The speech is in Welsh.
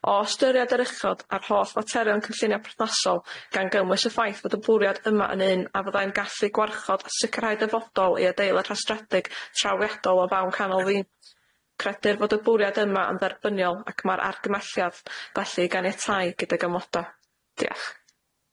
O ystyried yr uchod a'r holl faterion cynllunio perthnasol gan gynnwys y ffaith fod y bwriad yma yn un a fyddai'n gallu gwarchod sicrhau dyfodol i adeilad rhestredig trawiadol o fawn canol fi'n, credu'r bod y bwriad yma yn dderbyniol ac ma'r argymelliad felly i ganiatáu gydag amoda. Diolch.